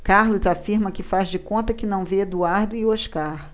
carlos afirma que faz de conta que não vê eduardo e oscar